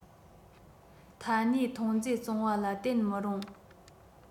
མཐའ སྣེའི ཐོན རྫས བཙོང བ ལ བརྟེན མི རུང